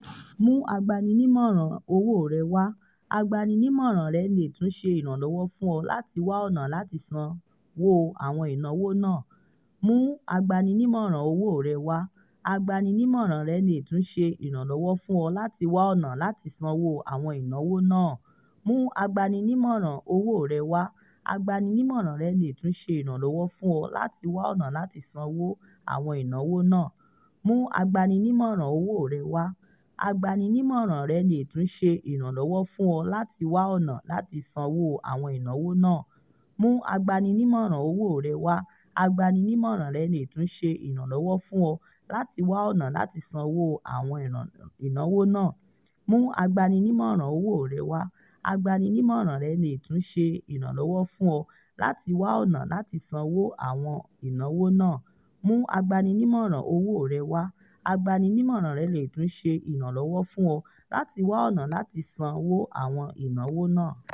Mú agbanínimọran owó rẹ wá: Agbanínimọran rẹ̀ lè tún ṣe ìrànlọ́wọ́ fún ọ láti wá ọ̀nà láti sanwo àwọn ìnáwó náà.